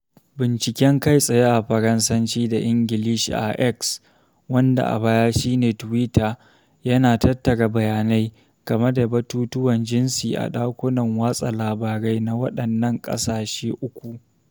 Binciken kai-tsaye a Faransanci da Ingilishi a X (wanda a baya shine Twitter) yana tattara bayanai game da batutuwan jinsi a ɗakunan watsa labarai na waɗannan ƙasashe uku.